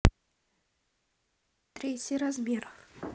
третий размер